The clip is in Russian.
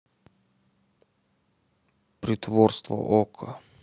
притворство okko